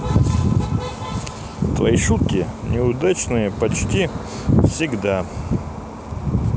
твои шутки неудачные почти всегда